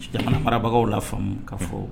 Jamana marabagaw la faamumu ka fɔ